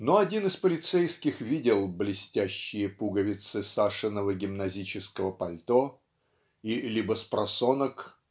но один из полицейских "видел блестящие пуговицы Сашиного гимназического пальто и либо спросонок